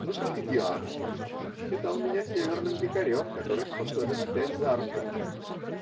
Но, как и Диана, он считал меня северным дикарем, который способен опять заартачиться.